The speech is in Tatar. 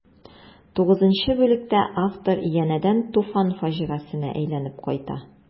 Тугызынчы бүлектә автор янәдән Туфан фаҗигасенә әйләнеп кайта.